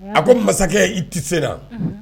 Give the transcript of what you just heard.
A ko masakɛ i tɛ sera